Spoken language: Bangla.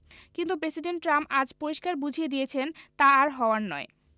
কিন্তু প্রেসিডেন্ট ট্রাম্প আজ পরিষ্কার বুঝিয়ে দিয়েছেন তা আর হওয়ার নয়